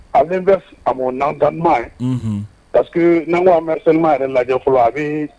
An bɛmu n'antuma ye pa que n'an ko anmema yɛrɛ lajɛ fɔlɔ a bi